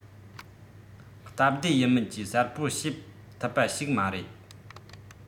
སྟབས བདེ ཡིན མིན གྱིས གསལ པོར བཤད ཐུབ པ ཞིག མ རེད